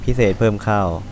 พิเศษเพิ่มข้าว